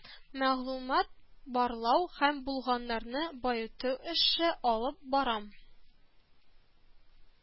Мәгълүмат барлау һәм булганнарын баету эше алып барам